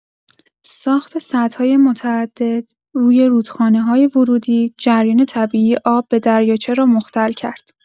ساخت سدهای متعدد روی رودخانه‌های ورودی، جریان طبیعی آب به دریاچه را مختل کرد.